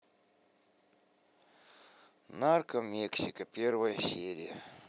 нарко мексика первая серия